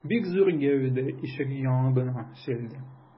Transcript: Бик зур гәүдә ишек яңагына сөялде.